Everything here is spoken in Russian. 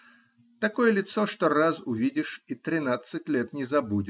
такое лицо, что раз увидишь и тринадцать лет не забудешь.